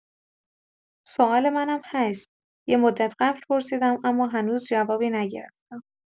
سوال منم هست یه مدت قبل پرسیدم اما هنوز جوابی نگرفتم.